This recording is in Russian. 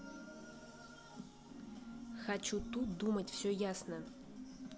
хочу тут думать все ясно